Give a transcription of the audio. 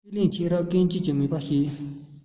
ཁས ལེན ཁྱེད རང བསྐྱོན མེད ཅེས བཤད